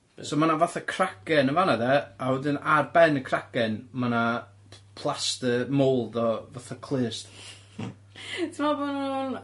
so ma' 'na fatha cragen yn fan 'na de a wedyn ar ben y cragen ma' 'na p- plaster mold o fatha clust. Ti'n me'wl bo' nw'n